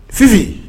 Sisisi